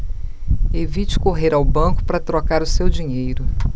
evite correr ao banco para trocar o seu dinheiro